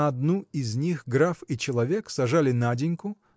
На одну из них граф и человек сажали Наденьку